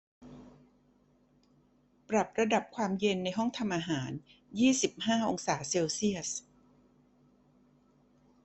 ปรับระดับความเย็นในห้องทำอาหารยี่สิบห้าองศาเซลเซียส